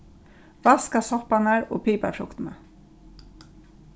vaska sopparnar og piparfruktina